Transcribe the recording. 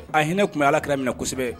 A hinɛ tun bɛ alaki minɛ kosɛbɛ